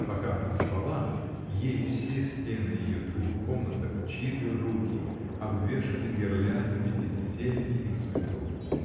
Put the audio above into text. Пока она спала, ей все стены ее двух комнаток чьи-то руки обвешали гирляндами из зелени и цветов.